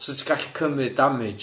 So ti'n gallu cymyd damage.